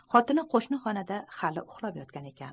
xotini qo'shni xonada hali uxlab yotgan edi